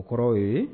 O kɔrɔw ye